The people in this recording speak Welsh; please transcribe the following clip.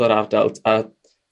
o'r ardal